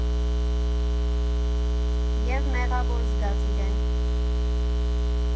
Եվ մեղավոր զգաց իրեն։